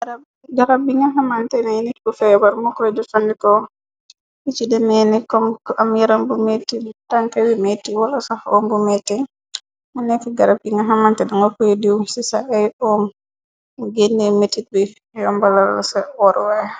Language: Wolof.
Garab bi nga xamanteni ay nit bu feebar mokoro jofandiko, bi ci demee ni kom am yaram bu meti , tanka wi meti , wala sof omm bu meti, mu nekk garab yi nga xamante danga puy diw ci sa ay om , mo genne metit bi yombalala ca oruwey.